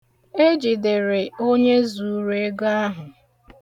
E jidere onye zuuru ego ahụ.